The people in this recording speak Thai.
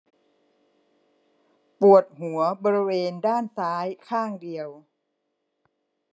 ปวดหัวบริเวณด้านซ้ายข้างเดียว